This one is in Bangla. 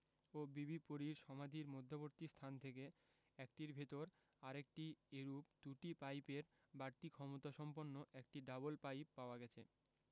ও বিবি পরীর সমাধির মধ্যবর্তী স্থান থেকে একটির ভেতরে আরেকটি এরূপ দুটি পাইপের বাড়তি ক্ষমতা সম্পন্ন একটি ডাবল পাইপ পাওয়া গেছে